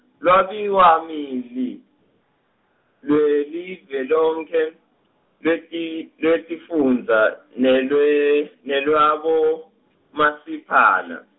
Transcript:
Lwabiwomali, lwelive lonkhe, lweti- lwetifundza, nelwe-, nelwabomasipala.